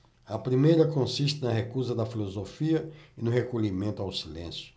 a primeira consiste na recusa da filosofia e no recolhimento ao silêncio